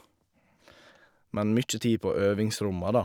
Men mye tid på øvingsromma, da.